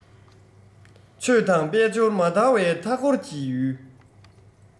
ཆོས དང དཔལ འབྱོར མ དར བའི མཐའ འཁོར གྱི ཡུལ